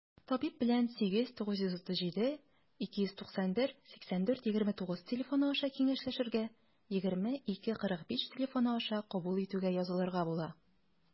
Табиб белән 89372918429 телефоны аша киңәшләшергә, 20-2-45 телефоны аша кабул итүгә язылырга була.